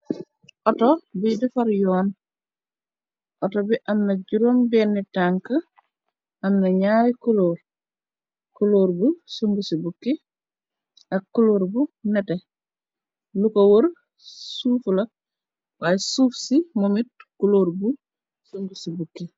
auto bi defar yoon , auto bi am na juróom benni tank am na ñaay kuloor, kuloor bu sumb ci bukki ak kuloor bu nete. lu ko wër suufu la waay suuf ci momit kulóor bu sumb ci bukki.